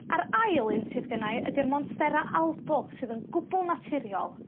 A'r ail un sydd gynnai ydi'r monstera albo sydd yn gwbwl naturiol.